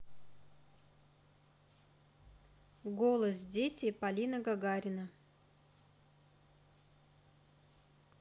голос дети полина гагарина